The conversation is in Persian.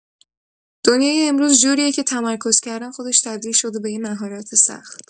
دنیای امروز جوریه که تمرکز کردن خودش تبدیل شده به یه مهارت سخت.